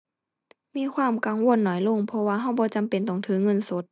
มีความกังวลน้อยลง เพราะว่าเราบ่จำเป็นต้องถือเงินสด